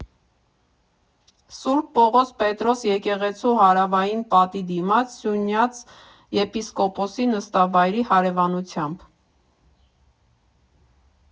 Սուրբ Պողոս֊Պետրոս եկեղեցու հարավային պատի դիմաց՝ Սյունյաց եպիսկոպոսի նստավայրի հարևանությամբ։